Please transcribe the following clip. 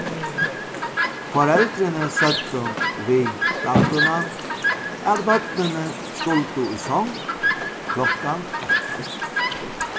foreldrini søgdu við dadduna at børnini skuldu í song klokkan átta